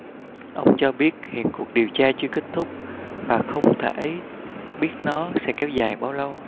ông cho biết hiện cuộc điều tra chưa kết thúc và không thể biết nó sẽ kéo dài bao lâu